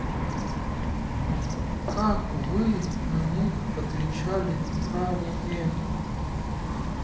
как вы на них отвечали ранее